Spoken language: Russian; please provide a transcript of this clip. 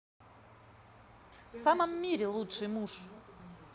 в самом мире лучший муж